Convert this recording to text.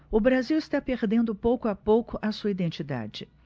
o brasil está perdendo pouco a pouco a sua identidade